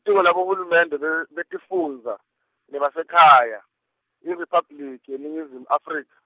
-tiko laboHulumende be- be- betifundza, nebaseKhaya, IRiphabliki yeNingizimu Afrika.